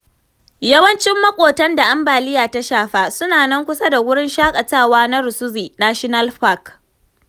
Yawancin maƙotan da ambaliya ta shafa suna nan kusa da wurin shaƙatawa na Rusizi National Park.